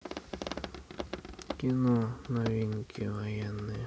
кино новинки военные